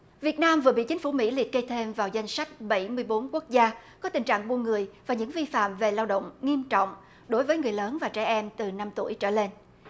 việt nam vừa bị chính phủ mỹ liệt kê thêm vào danh sách bảy mươi bốn quốc gia có tình trạng buôn người và những vi phạm về lao động nghiêm trọng đối với người lớn và trẻ em từ năm tuổi trở lên